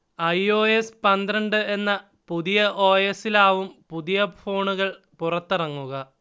I. O. S പന്ത്രണ്ട് എന്ന പുതിയ ഓ. എസിലാവും പുതിയ ഫോണുകൾ പുറത്തിറങ്ങുക